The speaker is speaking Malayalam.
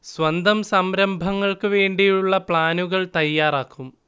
സ്വന്തം സംരംഭങ്ങൾക്ക് വേണ്ടി ഉള്ള പ്ലാനുകൾ തയ്യാറാക്കും